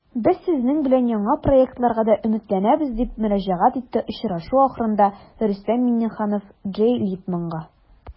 Без сезнең белән яңа проектларга да өметләнәбез, - дип мөрәҗәгать итте очрашу ахырында Рөстәм Миңнеханов Джей Литманга.